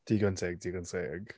Digon teg digon teg.